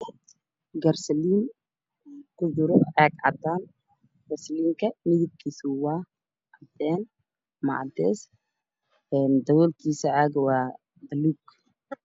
Fasliin ku jiro caag cadaan gasoline ka midabkiisu waa cadaan ama cadees daboolkiisa caagga waa baluug